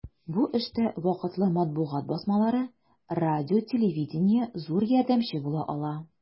Бу эштә вакытлы матбугат басмалары, радио-телевидение зур ярдәмче була ала.